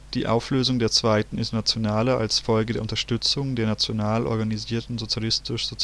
die Auflösung der Zweiten Internationalen als Folge der Unterstützung der national organisierten sozialistischen/sozialdemokratischen